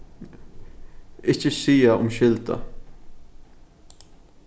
ikki siga umskylda